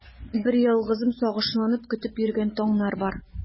Берьялгызым сагышланып көтеп йөргән таңнар бар.